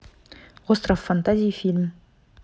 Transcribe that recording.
остров фантазий фильм